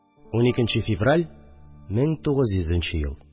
12 нче февраль, 1900 ел